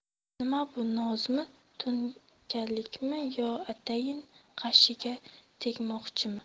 nima bu nozmi to'nkalikmi yo atayin g'ashiga tegmoqchimi